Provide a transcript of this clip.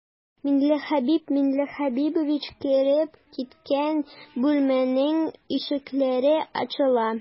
Миңлехәбиб миңлехәбирович кереп киткән бүлмәнең ишекләре ачыла.